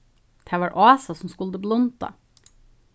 tað var ása sum skuldi blunda